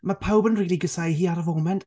Ma' pawb yn rili gasáu hi ar y foment.